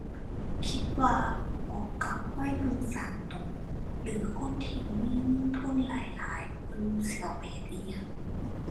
คิดว่าเหมาะกับวัยรุ่นสร้างตัวหรือคนที่มีเงินทุนหลายหลาย บ่รู้สิเอาไปเฮ็ดอิหยัง